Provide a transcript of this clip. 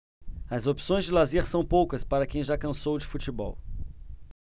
as opções de lazer são poucas para quem já cansou de futebol